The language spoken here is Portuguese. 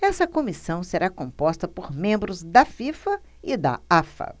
essa comissão será composta por membros da fifa e da afa